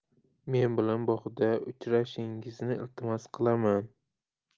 men bilan bog'da uchrashingizni iltimos qilaman